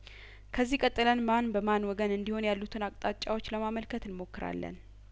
ከዚህ ቀጥለን ማን በማን ወገን እንዲሆን ያሉትን አቅጣጫዎች ለማመልከት እንሞክራለን